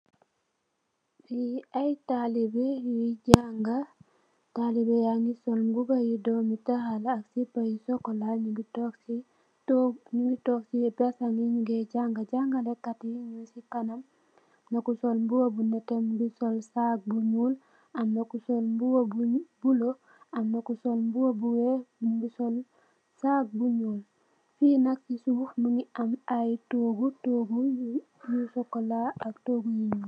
Nyi ay talibe yi jange, talibe ya gi sol mbuba yu doomitaal ak sipa yu sokola, nyingi toog, nyingi toog si basang, nyu nge jange, jangalekat yi nyun si kanam, amna ku sol mbubu bu nete, mingi sol sag bu nyuul, amna ku sol mbuba bu bula, amna ku sol mbua bu weex, mingi sol sag gu nyuul, fii nak si suuf, mingi am ay toogu, toogu yu sokola, ak toogu yu nyuul.